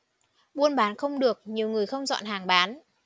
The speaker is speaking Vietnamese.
buôn bán không được nhiều người không dọn hàng bán